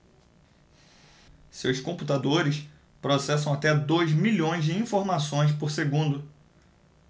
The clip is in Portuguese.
seus computadores processam até dois milhões de informações por segundo